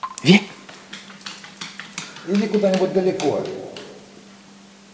иди куда нибудь далеко